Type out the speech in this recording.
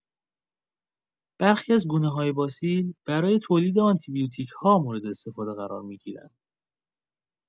برخی از گونه‌های باسیل برای تولید آنتی‌بیوتیک‌ها مورداستفاده قرار می‌گیرند.